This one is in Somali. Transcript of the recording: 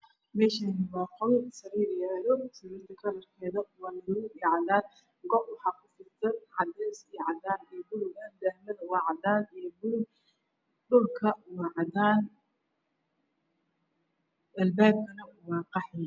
Meeshaan waa qol Sariirta. Sariirta kalarkeeda waa madow iyo cadaan go' waxaa ku fidsan cadaan iyo cadays iyo bulug ah daah manta waa cadaanviyo bulug dhulka waa cadaan al baabka waa qaxwi